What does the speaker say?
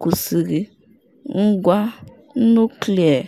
kwụsịrị ngwa nuklịa.